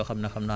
am na ko